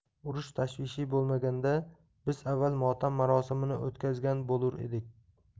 urush tashvishi bo'lmaganda biz avval motam marosimini o'tkazgan bo'lur edik